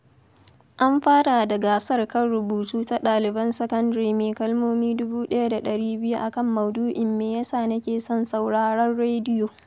An fara da gasar kan rubutu ta ɗaliban sakandire mai kalmomi 1,200 a kan maudu'in ''me ya sa nake son sauraran rediyo”